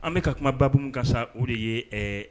An bɛka ka kumababugu ka sa o de ye